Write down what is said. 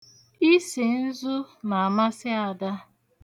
Isi nzu na-amasị Ada.